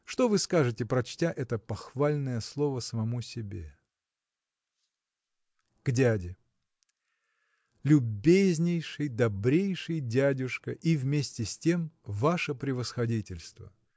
Что вы скажете, прочтя это похвальное слово самому себе? К дяде Любезнейший добрейший дядюшка и вместе с тем ваше превосходительство!